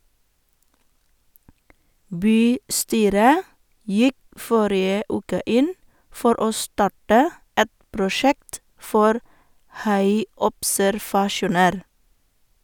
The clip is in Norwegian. Bystyret gikk forrige uke inn for å starte et prosjekt for haiobservasjoner.